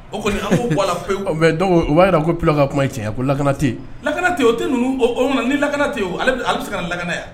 O kɔni ko u b'a jira ko p kila ka kuma ye tiɲɛ ko lakana te lakana ten o te ninnu o na ni lakanatɛ ale bɛ se ka lakana yan